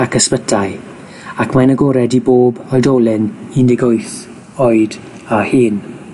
ac ysbytai, ac mae'n agored i bob oedolyn un deg wyth oed a hŷn.